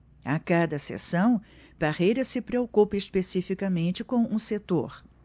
a cada sessão parreira se preocupa especificamente com um setor